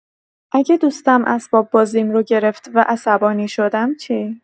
اگه دوستم اسباب‌بازیم رو گرفت و عصبانی شدم چی؟